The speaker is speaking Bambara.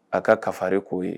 A ka kafari k'o ye